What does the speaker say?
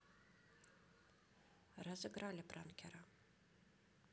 разыграли пранкера